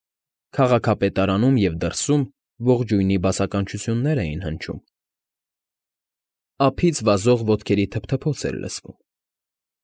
Քաղաքապետարանում և դրսում ողջույնի բացականչություններ էին հնչում, ափից վազող ոտքերի թփթոց էր լսվում։